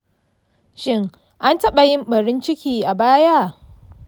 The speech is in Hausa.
shin an taɓa yin ɓarin ciki a baya?